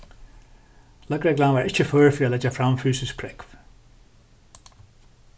løgreglan var ikki før fyri at leggja fram fysisk prógv